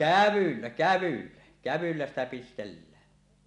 kävyllä kävyllä kävyllä sitä pistellään